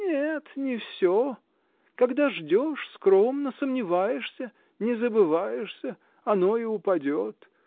— Нет, не всё: когда ждешь скромно, сомневаешься, не забываешься, оно и упадет.